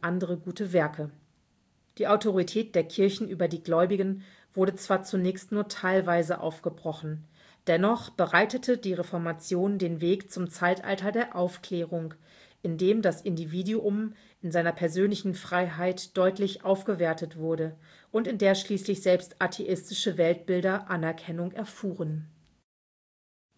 andere „ gute Werke “). Die Autorität der Kirchen über die Gläubigen wurde zwar zunächst nur teilweise aufgebrochen, dennoch bereitete die Reformation den Weg zum Zeitalter der Aufklärung, in dem das Individuum in seiner persönlichen Freiheit deutlich aufgewertet wurde und in der schließlich selbst atheistische Weltbilder Anerkennung erfuhren.